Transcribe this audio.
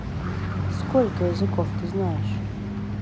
сколько языков ты знаешь